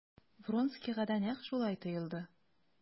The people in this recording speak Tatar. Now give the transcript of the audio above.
Вронскийга да нәкъ шулай тоелды.